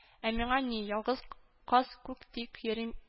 Ә миңа ни, ялгыз каз күк тик йөрим